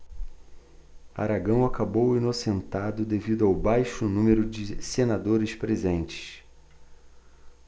aragão acabou inocentado devido ao baixo número de senadores presentes